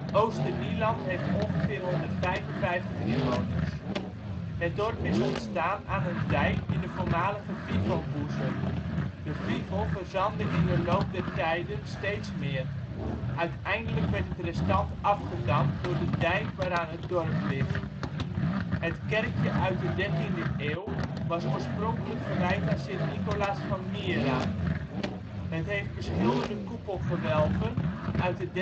Oosternieland heeft ongeveer 155 inwoners. Het dorp is ontstaan aan een dijk in de voormalige Fivelboezem. De Fivel verzandde in de loop der tijden steeds meer. Uiteindelijk werd het restant afgedamd door de dijk waaraan het dorp ligt. Het kerkje uit de 13e eeuw was oorspronkelijk gewijd aan Sint Nicolaas van Myra. Het heeft beschilderde koepelgewelven uit de